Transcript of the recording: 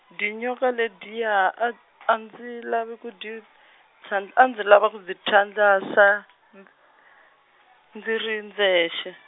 dyinyoka ledyiya a d- a ndzi lavi ku dyi tsan-, a ndzi lava ku dyi phyandlasa, n- ndzi ri ndzexe.